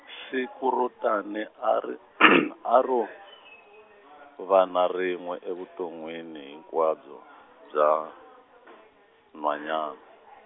siku ro tani a ri , a ro va na rin'we evuton'wini hinkwabyo bya , nhwanyana.